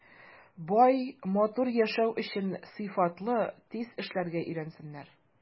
Бай, матур яшәү өчен сыйфатлы, тиз эшләргә өйрәнсеннәр.